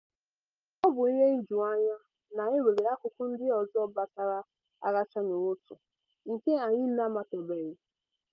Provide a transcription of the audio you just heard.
Ọ bụ ihe ijuanya na e nwere akụkụ ndị ọzọ gbasara ara Channel One nke anyị n'amatabeghị.